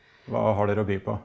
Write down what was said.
hva har dere å by på?